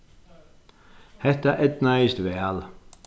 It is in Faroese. hetta eydnaðist væl